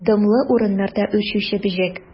Дымлы урыннарда үрчүче бөҗәк.